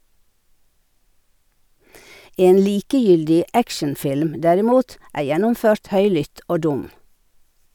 En likegyldig actionfilm, derimot, er gjennomført høylytt og dum.